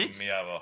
Damia fo.